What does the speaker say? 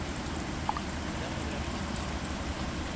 Фәридә апа белән очрашуны көтеп яши